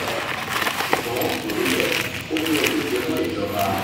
Ṣúgbọ́n kò rí bẹ́ẹ̀, ó jẹ́ ohun tí ó jẹ́mọ́ ìjọba.